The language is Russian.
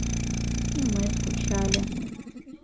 и мы скучали